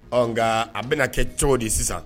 Ɔ nka an bɛna kɛ cogo di sisan